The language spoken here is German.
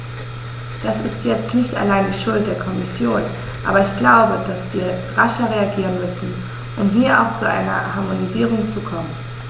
Das ist jetzt nicht allein die Schuld der Kommission, aber ich glaube, dass wir rascher reagieren müssen, um hier auch zu einer Harmonisierung zu kommen.